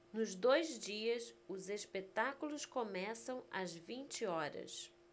nos dois dias os espetáculos começam às vinte horas